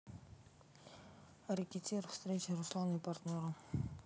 рэкетир встречи руслана и партнера